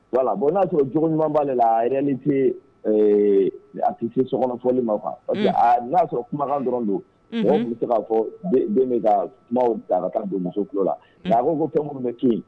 Voila, bon n 'a y'a sɔrɔ jogo ɲuman b'ale la, en réalité ɛɛ, a tɛ se sokɔnɔfɔli ma quoi, parce que _n'a y'a sɔrɔ kumakan dɔrɔnw don mɔgɔw tun bɛ se k'a fɔ ko den bɛ ka kumaw ta ka taa don muso tulo , nka a konko fɛn minnu bɛ yen.